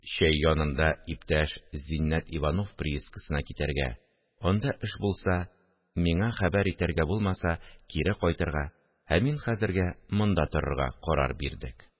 Чәй янында иптәш Зиннәт Иванов приискасына китәргә, анда эш булса, миңа хәбәр итәргә, булмаса, кире кайтырга, ә мин хәзергә монда торырга карар бирдек